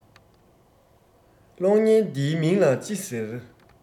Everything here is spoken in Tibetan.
གློག བརྙན འདིའི མིང ལ ཅི ཟེར